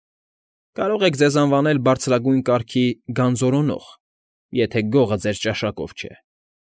Կարող եք ձեզ անվանել «բարձրագույն կարգի գանձորոնող», եթե «գողը» ձեր ճաշակով չէ։